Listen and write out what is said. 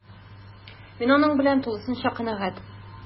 Мин аның белән тулысынча канәгать: